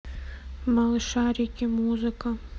малышарики музыка